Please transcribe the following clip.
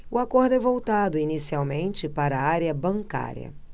o acordo é voltado inicialmente para a área bancária